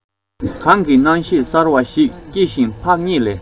གངས ཀྱི རྣམ ཤེས གསར བ ཞིག སྐྱེ ཞིང འཕགས ངེས ལ